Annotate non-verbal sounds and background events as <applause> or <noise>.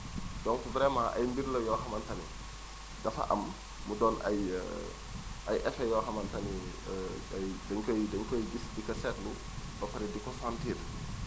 donc vraiment ay mbir la yoo xamante ni dafa am mu doon ay <hesitation> ay effet yoo xamante ni <hesitation> dañu koy dañu kos gis di ko seetlu ba pare di ko sentir